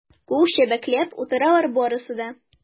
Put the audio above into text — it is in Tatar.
Кул чәбәкләп утыралар барысы да.